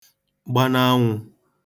gba n'anwụ